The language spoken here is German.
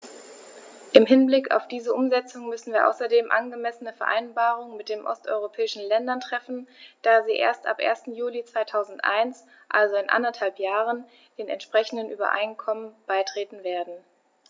Im Hinblick auf diese Umsetzung müssen wir außerdem angemessene Vereinbarungen mit den osteuropäischen Ländern treffen, da sie erst ab 1. Juli 2001, also in anderthalb Jahren, den entsprechenden Übereinkommen beitreten werden.